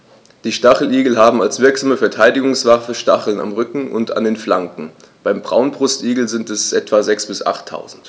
Die Stacheligel haben als wirksame Verteidigungswaffe Stacheln am Rücken und an den Flanken (beim Braunbrustigel sind es etwa sechs- bis achttausend).